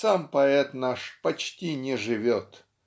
Сам поэт наш почти не живет